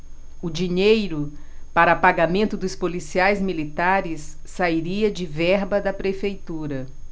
o dinheiro para pagamento dos policiais militares sairia de verba da prefeitura